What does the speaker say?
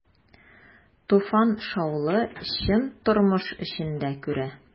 Туфан шаулы, чын тормыш эчендә күрә.